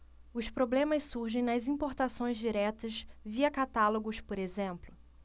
os problemas surgem nas importações diretas via catálogos por exemplo